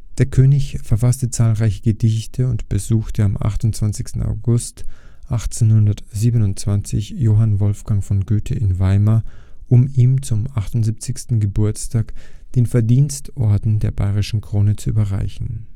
Der König verfasste zahlreiche Gedichte und besuchte am 28. August 1827 Johann Wolfgang von Goethe in Weimar, um ihm zum 78. Geburtstag den Verdienstorden der Bayerischen Krone zu überreichen